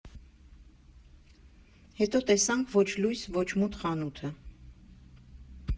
Հետո տեսանք «Ոչ լույս, ոչ մութ» խանութը։